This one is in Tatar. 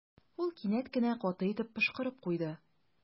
Ул кинәт кенә каты итеп пошкырып куйды.